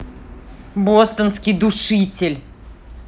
бостонский душитель